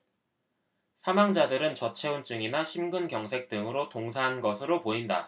사망자들은 저체온증이나 심근경색 등으로 동사한 것으로 보인다